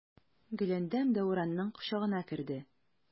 Гөләндәм Дәүранның кочагына керде.